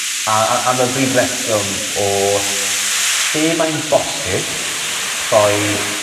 A- a- am y brif reswm o lle mae'n bosib rhoi